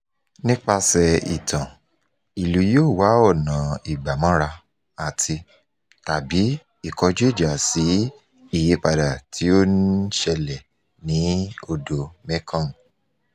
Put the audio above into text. Nípasẹ̀ẹ ìtàn, ìlú yóò wá ọ̀nà ìgbàmọ́ra àti/tàbí ìkọjú-ìjà sí ìyípadà tí ó ń ṣẹlẹ̀ ní odò Mekong.